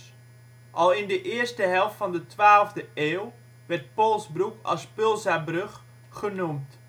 Al in de eerste heelft de 12e eeuw werd Polsbroek als Pulzabruch genoemd